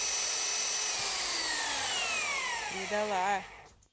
предала